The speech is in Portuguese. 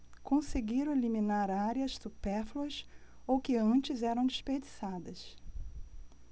conseguiram eliminar áreas supérfluas ou que antes eram desperdiçadas